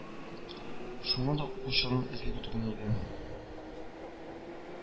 Шуңа да укучыларның әзерлеге түбәнәйде